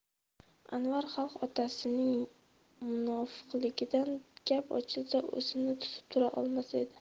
anvar xalq otasi ning munofiqligidan gap ochilsa o'zini tutib tura olmas edi